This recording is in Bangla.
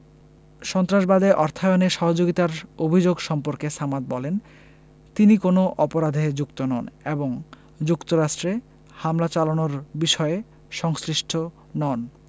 সন্ত্রাসবাদে অর্থায়নে সহযোগিতার অভিযোগ সম্পর্কে সামাদ বলেন তিনি কোনো অপরাধে যুক্ত নন এবং যুক্তরাষ্ট্রে হামলা চালানোর বিষয়ে সংশ্লিষ্ট নন